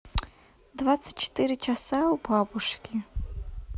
двадцать четыре часа у бабушки